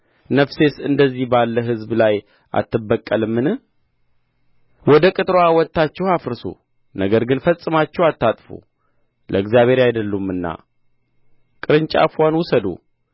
ነፍሴስ እንደዚህ ባለ ሕዝብ ላይ አትበቀልምን ወደ ቅጥርዋ ወጥታችሁ አፍርሱ ነገር ግን ፈጽማችሁ አታጥፉ ለእግዚአብሔር አይደሉምና ቅርንጫፍዋን ውሰዱ